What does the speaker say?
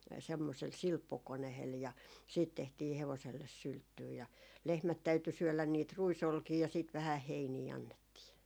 semmoisella silppukoneella ja sitten tehtiin hevoselle sylttyä ja lehmät täytyi syödä niitä ruisolkia ja sitten vähän heiniä annettiin